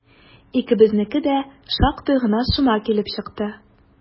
Икебезнеке дә шактый гына шома килеп чыкты.